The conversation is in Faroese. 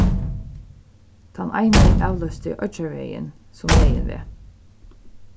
tann eini avloysti oyggjarvegin sum meginveg